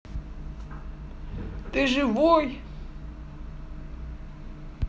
ты живой